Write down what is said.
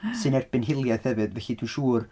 Sydd yn erbyn hiliaeth hefyd. Felly dwi'n siŵr...